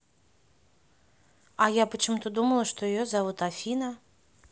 а я почему то думала что ее зовут афина